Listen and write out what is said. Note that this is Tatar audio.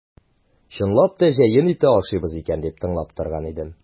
Чынлап та җәен ите ашыйбыз икән дип тыңлап торган идем.